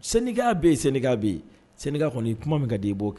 Sɛnɛniya bɛ yen sɛnɛ bɛ yen sɛnɛka kɔni i kuma min ka' i b'o kɛ